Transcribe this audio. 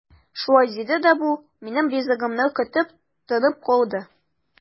Шулай диде дә бу, минем ризалыгымны көтеп, тынып калды.